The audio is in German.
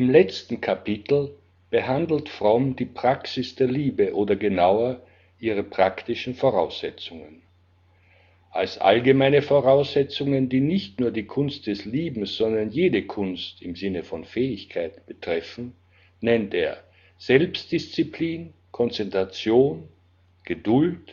letzten Kapitel behandelt Fromm die Praxis der Liebe, oder genauer: ihre praktischen Voraussetzungen. Als allgemeine Voraussetzungen, die nicht nur die Kunst des Liebens, sondern jede Kunst (im Sinne von Fähigkeit) betreffen, nennt er Selbstdisziplin, Konzentration, Geduld